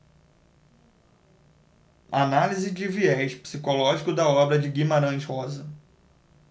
análise de viés psicológico da obra de guimarães rosa